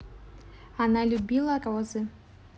она любила розы